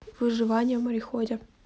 выживание в мореходе